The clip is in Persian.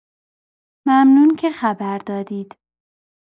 ممنون که خبر دادید.